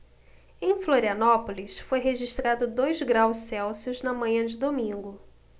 em florianópolis foi registrado dois graus celsius na manhã de domingo